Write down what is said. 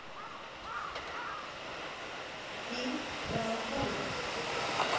фильм про акулу